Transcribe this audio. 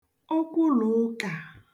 okwulụ̀ụka